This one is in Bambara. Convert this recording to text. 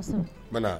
Banna